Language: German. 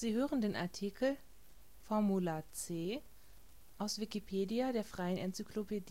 hören den Artikel Ökumenische Trauung nach Formular C, aus Wikipedia, der freien Enzyklopädie